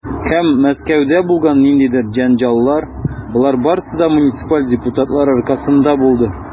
Һәм Мәскәүдә булган ниндидер җәнҗаллар, - болар барысы да муниципаль депутатлар аркасында булды.